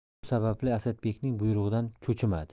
shu sababli asadbekning buyrug'idan cho'chimadi